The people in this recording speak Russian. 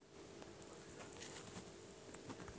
где находится египет на карте